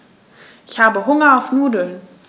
Ich habe Hunger auf Nudeln.